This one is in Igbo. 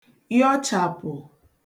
yọchàpụ